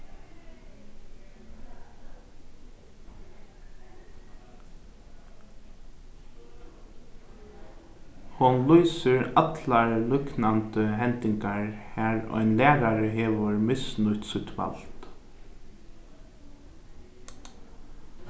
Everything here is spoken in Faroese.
hon lýsir allar líknandi hendingar har ein lærari hevur misnýtt sítt vald